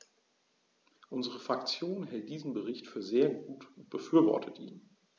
Unsere Fraktion hält diesen Bericht für sehr gut und befürwortet ihn.